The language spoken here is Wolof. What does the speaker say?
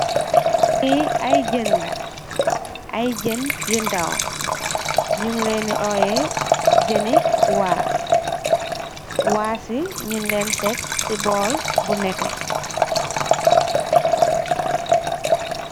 Li ay jén la, ay jén yi ndaw, ñing lèèn di óyeh jén ni waas. Waas yi ñing lèèn tek ci bool bu netteh.